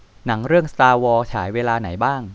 หนังเรื่องสตาร์วอร์ฉายเวลาไหนบ้าง